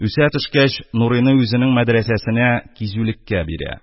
Үсә төшкәч, нурыйны үзенең мәдрәсәсенә кизүлеккә бирә.